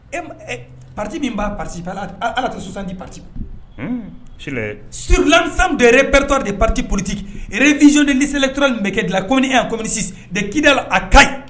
E pati min b'a pap ala tɛ sonsandi pati surulamisan bɛpritɔ de pati politi rezo ni selenlɛtura nin bɛ kɛ dilan kɔmi kɔmisi de kidala a ka ɲi